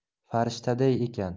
farishtaday ekan